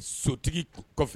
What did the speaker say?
Sotigi kɔfɛ